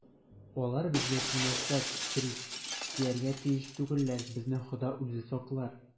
- алар безгә тимәсләр, приск, тияргә тиеш түгелләр, безне хода үзе саклар.